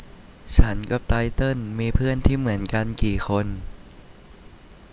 ฉันกับไตเติ้ลมีเพื่อนที่เหมือนกันกี่คน